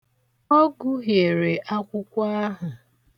Ọ gụhiere akwụkwọ ahụ.